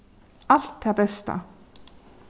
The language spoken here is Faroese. alt tað besta